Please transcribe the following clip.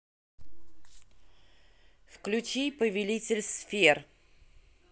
включи повелитель сфер